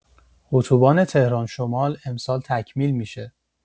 اتوبان تهران شمال امسال تکمیل می‌شه.